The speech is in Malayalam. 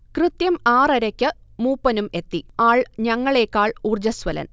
കൃത്യം ആറരക്ക് മൂപ്പനും എത്തി, ആൾ ഞങ്ങളേക്കാൾ ഊർജ്ജസ്വലൻ